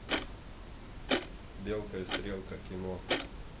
белка и стрелка кино